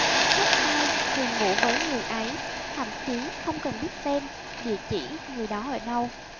thích ai hiền ngủ với người ấy thậm chí không cần biết tên địa chỉ người đó ở đâu